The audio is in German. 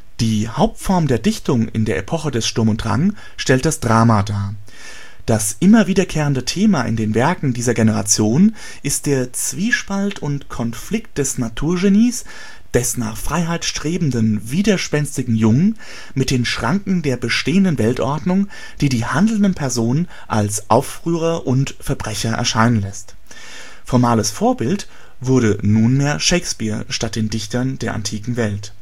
Die Hauptform der Dichtung in der Epoche des Sturm & Drang stellt das Drama dar. Das immer wiederkehrende Thema in den Werken dieser Generation ist der Zwiespalt und Konflikt des Naturgenies, des nach Freiheit strebenden, widerspenstigen Jungen, mit den Schranken der bestehenden Weltordnung, die die handelnden Personen als Aufrührer und Verbrecher erscheinen lässt. Formales Vorbild wurde nunmehr Shakespeare statt den Dichtern der antiken Welt